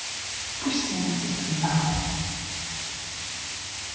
пусть она тебя нахуй